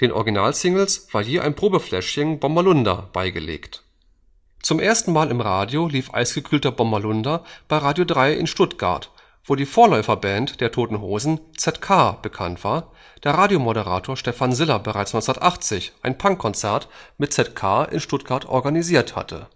Originalsingles war je ein Probefläschchen Bommerlunder beigelegt. Zum ersten Mal im Radio lief Eisgekühlter Bommerlunder bei Radio3 in Stuttgart, wo die Vorläuferband der Toten Hosen ZK bekannt war, da Radiomoderator Stefan Siller bereits 1980 ein Punk-Konzert mit ZK in Stuttgart organisiert hatte